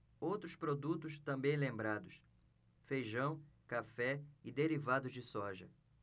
outros produtos também lembrados feijão café e derivados de soja